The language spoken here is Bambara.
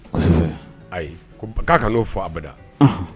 Ayi k'a ka'o faa abada